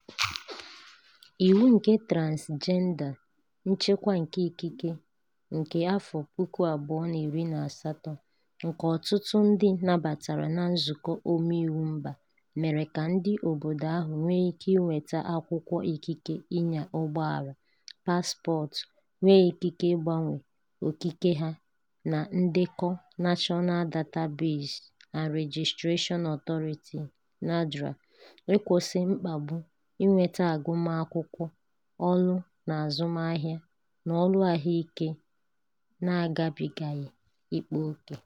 Iwu nke Onye Transịjenda (Nchekwa nke Ikike) nke 2018 nke ọtụtụ ndị nabatara na Nzukọ Omeiwu Mba mere ka ndị obodo ahụ nwee ike inweta akwụkwọ ikike ịnya ụgbọ ala, pasịpọọtụ, nwee ikike ịgbanwe okike ha na ndekọ National Database and Registration Authority (NADRA), ịkwụsị mkpagbu, inweta agụmakwụkwọ, ọrụ n'azụmaahịa na ọrụ ahụike na-agabigaghị ịkpa oke.